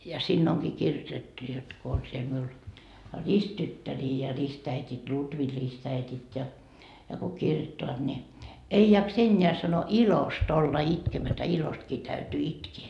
ja siinä onkin kirjoitettu jotta kun on siellä minulla ristityttäriä ja ristiäidit Lutvi ristiäidit ja ja kun kirjoittavat niin ei jaksa enää sanoi ilosta olla itkemättä ilostakin täytyy itkeä